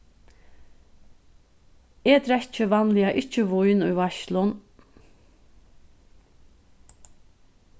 eg drekki vanliga ikki vín í veitslum